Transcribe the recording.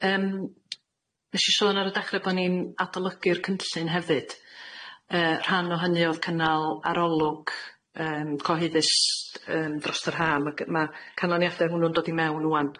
Yym. Nes i sôn ar y dechre bo' ni'n adolygu'r cynllun hefyd yy rhan o hynny o'dd cynnal arolwg yym cyhoeddus yym drost yr ha' ma' gy- ma' canoniaethe hwnnw'n dod i mewn ŵan.